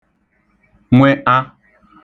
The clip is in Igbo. nwẹ'a